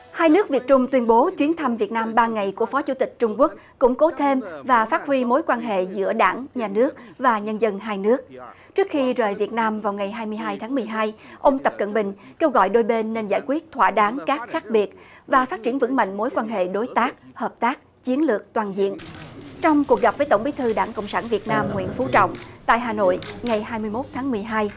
hai nước việt trung tuyên bố chuyến thăm việt nam ba ngày của phó chủ tịch trung quốc củng cố thêm và phát huy mối quan hệ giữa đảng nhà nước và nhân dân hai nước trước khi rời việt nam vào ngày hai mươi hai tháng mười hai ông tập cận bình kêu gọi đôi bên nên giải quyết thỏa đáng các khác biệt và phát triển vững mạnh mối quan hệ đối tác hợp tác chiến lược toàn diện trong cuộc gặp với tổng bí thư đảng cộng sản việt nam nguyễn phú trọng tại hà nội ngày hai mươi mốt tháng mười hai